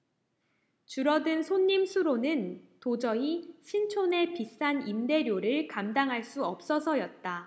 줄어든 손님 수로는 도저히 신촌의 비싼 임대료를 감당할 수 없어서였다